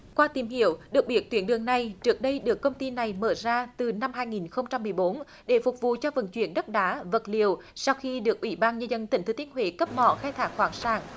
qua tìm hiểu được biết tuyến đường này trước đây được công ty này mở ra từ năm hai nghìn không trăm mười bốn để phục vụ cho vận chuyển đất đá vật liệu sau khi được ủy ban nhân dân tỉnh thừa thiên huế cấp mỏ khai thác khoáng sản